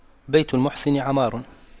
بيت المحسن عمار